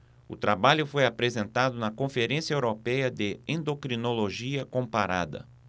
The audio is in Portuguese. o trabalho foi apresentado na conferência européia de endocrinologia comparada